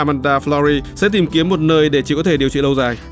man đa phờ lo ly sẽ tìm kiếm một nơi để chị có thể điều trị lâu dài